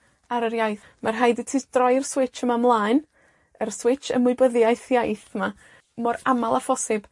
rr yr iaith. Mae rhaid i ti droi'r swits yma mlaen, yr swits ymwybyddiaeth iaith 'ma, mor amal a phosib.